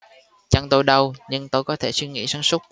chân tôi đau nhưng tôi có thể suy nghĩ sáng suốt